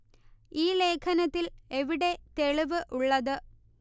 ഈ ലേഖനത്തിൽ എവിടെ തെളിവ് ഉള്ളത്